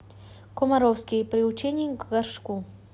комаровский приучение к горшку